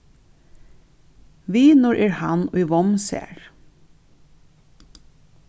vinur er hann ið vomm sær